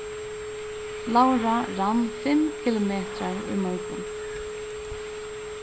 laura rann fimm kilometrar í morgun